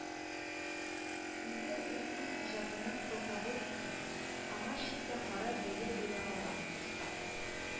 Инде ул үз иҗатының «полководецы», аңа читтән карап бәя бирә ала, оста